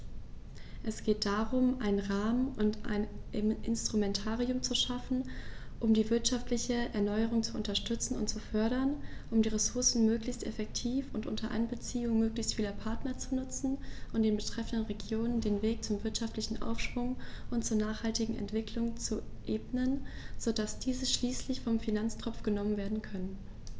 Es geht darum, einen Rahmen und ein Instrumentarium zu schaffen, um die wirtschaftliche Erneuerung zu unterstützen und zu fördern, um die Ressourcen möglichst effektiv und unter Einbeziehung möglichst vieler Partner zu nutzen und den betreffenden Regionen den Weg zum wirtschaftlichen Aufschwung und zur nachhaltigen Entwicklung zu ebnen, so dass diese schließlich vom Finanztropf genommen werden können.